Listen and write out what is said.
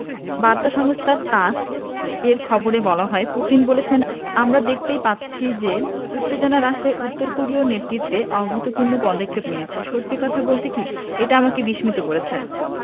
বার্তা সংস্থা তাস এর খবরে বলা হয় পুতিন বলেছেন আমরা দেখতেই পাচ্ছি যে উত্তেজনা হ্রাসে উত্তর কোরীয় নেতৃত্ব অভূতপূর্ণ পদক্ষেপ নিয়েছে সত্যি কথা বলতে কি এটা আমাকে বিস্মিত করেছে